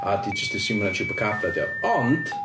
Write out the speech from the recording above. A 'di jyst 'di asiwmio 'na Chupacabra 'di o. Ond...